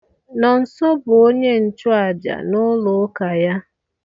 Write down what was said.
Nonso bụ onyenchụaja n'ụlọ ụka ya